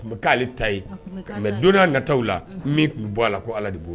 A kun bɛ k'ale ta ye, ka mais don n'a nataw la min tun bɛ bɔ a la ko allah de b'o den.